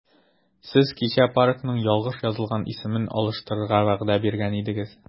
Сез кичә паркның ялгыш язылган исемен алыштырырга вәгъдә биргән идегез.